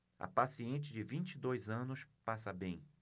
a paciente de vinte e dois anos passa bem